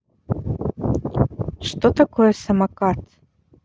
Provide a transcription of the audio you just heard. что такое самокат